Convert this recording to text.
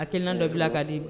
A tɛ n na dɔ bila k ka di